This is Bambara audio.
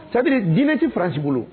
Saburi diinɛ tɛ farasi bolo